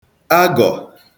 agọ̀